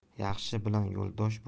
yaxshi bilan yo'ldosh